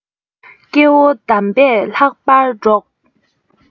སྐྱེ བོ དམ པས ལྷག པར སྒྲོགས